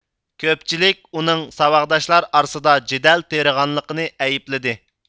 كۆپچىلىك ئۇنىڭ ساۋاقداشلار ئارىسىدا جېدەل تېرىغانلىقىنى ئەيىبلىدى